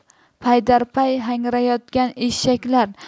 paydar pay hangrayotgan eshaklar